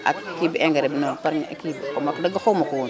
ak kii bi engrais bi noonu par kii bi wax dëgg xamuma ko woon